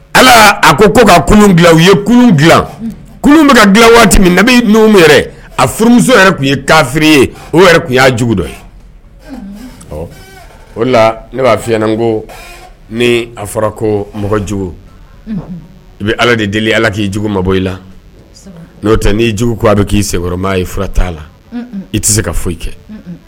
Ala a ko ko ka kun dila u ye kunun dila kunun bɛ dila waati min numu a furumuso yɛrɛ tun ye kafiri ye o tun y'a jugu dɔ ye ɔ o la ne b'a f fiɲɛna ko ni a fɔra ko mɔgɔjugu i bɛ ala de deli ala k'i jugu mabɔbɔ i la n'o tɛ ni'jugu ko a bɛ k'i sɛ' ye fura t' la i tɛ se ka foyi kɛ